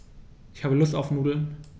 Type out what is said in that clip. Ich habe Lust auf Nudeln.